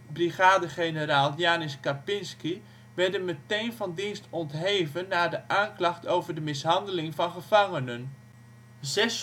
brigadegeneraal Janis Karpinski, zijn meteen van dienst ontheven na de aanklacht van het mishandelen van gevangenen. Zes soldaten